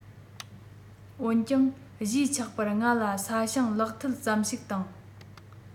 འོན ཀྱང གཞིས ཆགས པར ང ལ ས ཞིང ལག འཐིལ ཙམ ཞིག དང